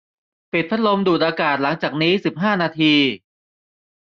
ปิดพัดลมดูดอากาศหลังจากนี้สิบห้านาที